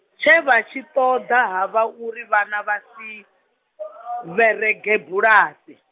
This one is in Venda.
tshe vha tshi ṱoḓa ha vha uri vhana vhasi , vherege bulasi.